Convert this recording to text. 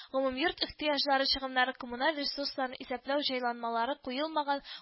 Гомумйорт ихтыяҗлары чыгымнары коммуналь ресурсларны исәпләү җайланмалары куелмаган